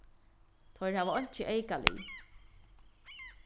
teir hava einki eykalið